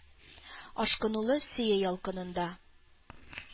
Ашкынулы сөю ялкынында